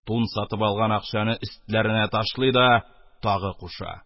Тун сатып алган акчаны өстләренә ташлый да тагы кушa: